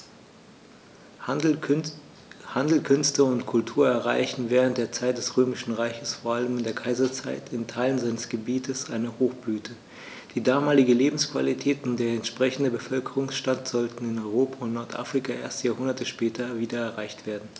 Handel, Künste und Kultur erreichten während der Zeit des Römischen Reiches, vor allem in der Kaiserzeit, in Teilen seines Gebietes eine Hochblüte, die damalige Lebensqualität und der entsprechende Bevölkerungsstand sollten in Europa und Nordafrika erst Jahrhunderte später wieder erreicht werden.